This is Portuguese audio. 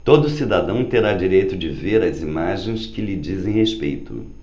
todo cidadão terá direito de ver as imagens que lhe dizem respeito